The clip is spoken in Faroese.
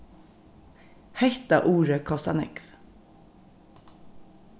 hetta urið kostar nógv